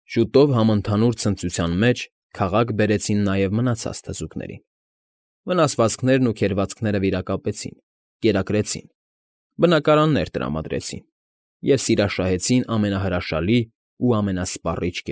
Շուտով համընդհանուր ցնծության մեջ քաղաք բերեցին նաև մնացած թզուկներին. վնասվածքներն ու քերծվածքները վիրակապեցին, կերակրեցին, բնակարաններ տրամարդեցին և սիրաշահեցին ամենահրաշալի ու ամենասպառիչ։